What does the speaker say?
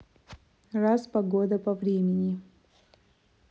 раз погода по времени